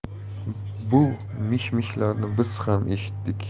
bu mish mishlarni biz ham eshitdik